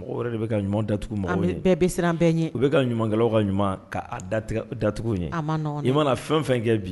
Mɔgɔ wɛrɛ de bɛka ka ɲuman datugu ma bɛɛ bɛ siran bɛɛ ye u bɛka ka ɲumankɛlaw ka ɲuman datugu ye i mana fɛn fɛn kɛ bi